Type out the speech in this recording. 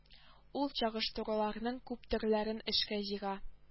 Ул чагыштыруларның күп төрләрен эшкә җигә